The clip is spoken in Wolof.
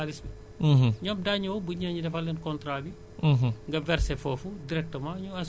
mais yow bu la neexee nga ne banque kii producteur ne banque bi dama bëgg assurer xaalis bi